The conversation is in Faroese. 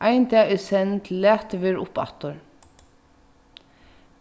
ein dag í senn til latið verður upp aftur